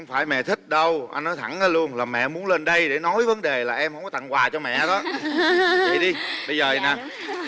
không phải mẹ thích đâu anh nói thẳng luôn là mẹ muốn lên đây để nói vấn đề là em không có tặng quà cho mẹ đó vậy đi bây giờ vậy nè